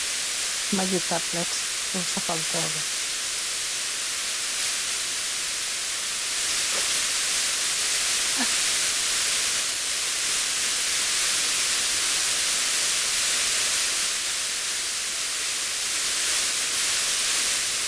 Magi taplet por safal toge